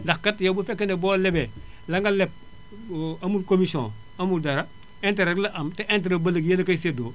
ndax kat yow bu fekkee ne boo lebee la nga leb amul commission amul dara interet rek la am te interet ba nag yéen a koy séddoo